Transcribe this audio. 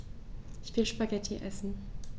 Ich will Spaghetti essen.